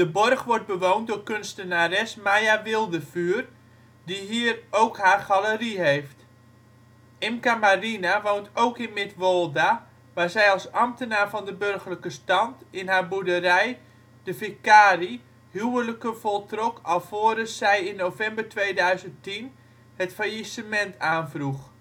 borg wordt bewoond door kunstenares Maya Wildevuur, die hier ook haar galerie heeft. Imca Marina woont ook in Midwolda, waar zij als ambtenaar van de burgerlijke stand in haar boerderij ' De Vicarie ' huwelijken voltrok alvorens zij in november 2010 het faillissemet aanvroeg